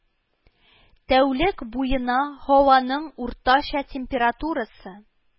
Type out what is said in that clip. Тәүлек буена һаваның уртача температурасы